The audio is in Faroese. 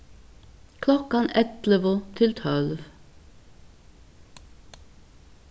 klokkan ellivu til tólv